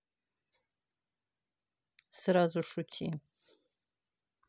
сразу шути